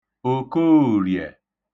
Òkoòrìẹ̀